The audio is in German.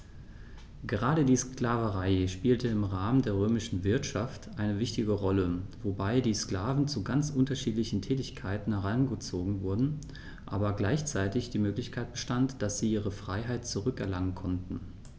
Gerade die Sklaverei spielte im Rahmen der römischen Wirtschaft eine wichtige Rolle, wobei die Sklaven zu ganz unterschiedlichen Tätigkeiten herangezogen wurden, aber gleichzeitig die Möglichkeit bestand, dass sie ihre Freiheit zurück erlangen konnten.